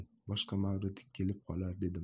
boshqa mavrudi kep qolar dedim